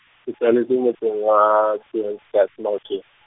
Ke tswaletswe motseng wa, Kroonstad Maokeng.